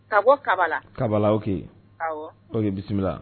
Ka bɔ kaba kabalaw kɛ' ye bisimila